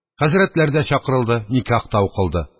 Хәзрәтләр дә чакырылды, никях та укылды